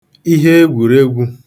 iheegwùregwū